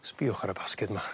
Sbïwch ar y basged 'ma